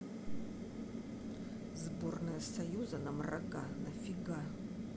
сборная союза нам рога нафига